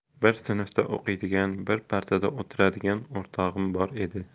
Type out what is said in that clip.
bir sinfda o'qiydigan bir partada o'tiradigan o'rtog'im bor edi